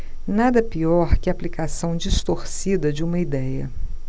nada pior que a aplicação distorcida de uma idéia